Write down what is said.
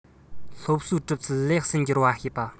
སློབ གསོའི གྲུབ ཚུལ ལེགས སུ འགྱུར བ བྱེད པ